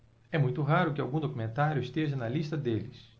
é muito raro que algum documentário esteja na lista deles